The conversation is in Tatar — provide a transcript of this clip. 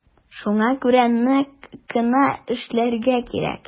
Шуңа күрә нык кына эшләргә кирәк.